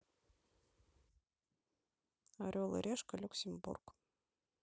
орел и решка люксембург